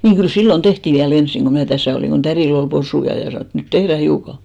niin kyllä silloin tehtiin vielä ensin kun minä tässä olin kun tädillä oli possuja ja sanoi että nyt tehdään hiukan